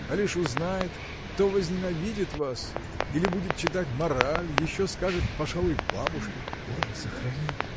А лишь узнает, то возненавидит вас или будет читать мораль, еще скажет, пожалуй, бабушке. — Боже сохрани!